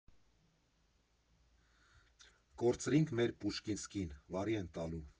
Կորցրինք մեր Պուշկինսկին, վարի են տալու։